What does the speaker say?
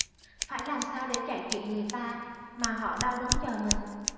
phải làm sao để chạy kịp người ta mà họ đâu đứng chờ mình